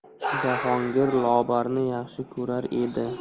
jahongir lobarni yaxshi ko'rar edi